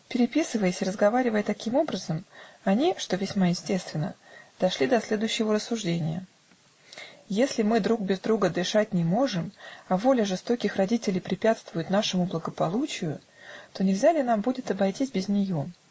Переписываясь и разговаривая таким образом, они (что весьма естественно) дошли до следующего рассуждения: если мы друг без друга дышать не можем, а воля жестоких родителей препятствует нашему благополучию, то нельзя ли нам будет обойтись без нее?